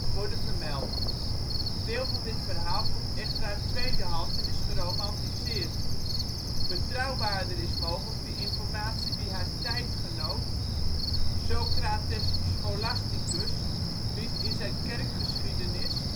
worden vermeld. Veel van dit verhaal komt echter uit tweede hand en is geromantiseerd. Betrouwbaarder is mogelijk de informatie die haar tijdgenoot Socrates Scholasticus biedt in zijn Kerkgeschiedenis